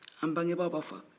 an bangebaaw b'a fɔ